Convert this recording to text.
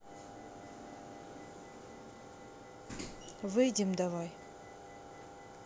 выйдем давай